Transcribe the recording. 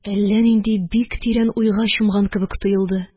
Әллә нинди бик тирән уйга чумган кебек тоелды